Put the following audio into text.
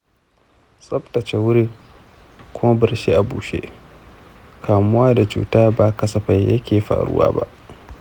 tsabtace wurin kuma bar shi a bushe; kamuwa da cuta ba kasafai yake faruwa ba.